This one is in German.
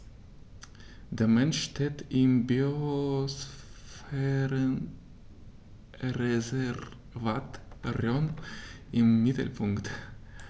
Der Mensch steht im Biosphärenreservat Rhön im Mittelpunkt.